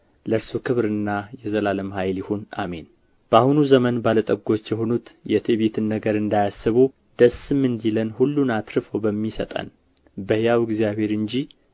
ለእርሱ ክብርና የዘላለም ኃይል ይሁን አሜን በአሁኑ ዘመን ባለ ጠጎች የሆኑት የትዕቢትን ነገር እንዳያስቡ ደስም እንዲለን ሁሉን አትርፎ በሚሰጠን በሕያው እግዚአብሔር እንጂ